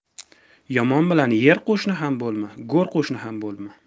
yomon bilan yer qo'shni ham bo'lma go'r qo'shni ham bo'lma